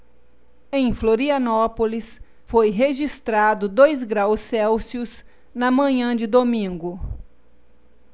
em florianópolis foi registrado dois graus celsius na manhã de domingo